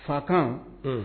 Fakan